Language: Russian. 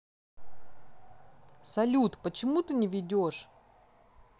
салют почему ты не ведешь